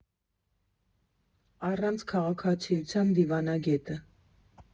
Առանց քաղաքացիության դիվանագետը։